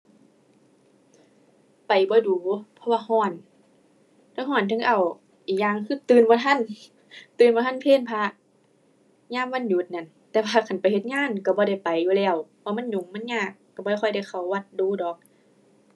ไปบ่ดู๋ เพราะว่าร้อน เทิงร้อนเทิงอ้าว อีกอย่างคือตื่นบ่ทัน ตื่นบ่ทันเพลพระ ยามวันหยุดนั้น แต่ว่าคันไปเฮ็ดงานร้อนบ่ได้ไปอยู่แล้ว เพราะมันยุ่ง มันยาก ร้อนบ่ค่อยได้เข้าวัดดู๋ดอก